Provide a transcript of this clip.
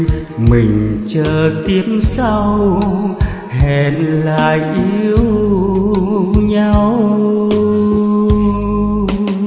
mình chờ kiếp sau hẹn lại yêu nhau